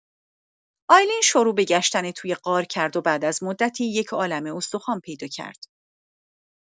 آیلین شروع به گشتن توی غار کرد و بعد از مدتی یه عالمه استخوان پیدا کرد.